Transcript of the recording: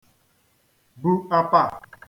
bù àpà